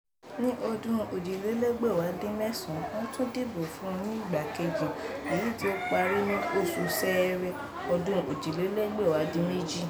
Ní ọdún 2011, wọ́n tún dìbò fún un ní ìgbà kejì, èyí tí ó parí ní oṣù Ṣẹ́ẹ́rẹ́ ọdún 2018.